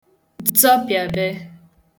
ztọpịabe